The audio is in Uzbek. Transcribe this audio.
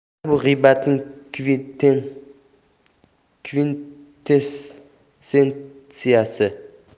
tarix bu g'iybatning kvintessentsiyasi